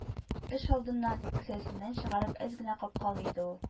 Эш алдыннан, кесәсеннән чыгарып, әз генә капкалый иде ул